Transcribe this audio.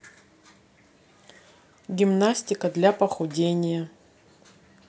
гимнастика для похудения